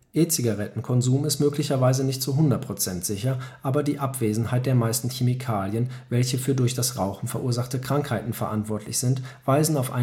E-Zigarettenkonsum ist möglicherweise nicht zu 100% sicher aber die Abwesenheit der meisten Chemikalien, welche für durch das Rauchen verursachte Krankheiten verantwortlich sind, weisen auf